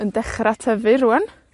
yn dechra tyfu rŵan.